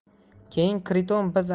keyin kriton biz